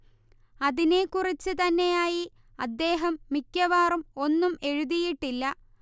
അതിനെക്കുറിച്ച് തന്നെയായി അദ്ദേഹം മിക്കവാറും ഒന്നും എഴുതിയിട്ടില്ല